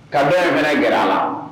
Ka dɔ in fɛnɛ gɛrɛ a la